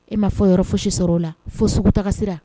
E m maa fɔ yɔrɔ fo si sɔrɔ o la fo sugutaasira